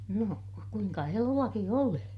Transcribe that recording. no kuinka eloakin oli